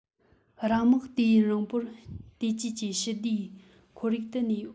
རང དམག དུས ཡུན རིང པོར བལྟོས བཅོས ཀྱི ཞི བདེའི ཁོར ཡུག ཏུ གནས ཡོད